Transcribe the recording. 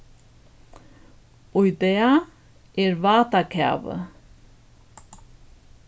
í dag er vátakavi